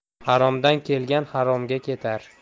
haromdan kelgan haromga ketar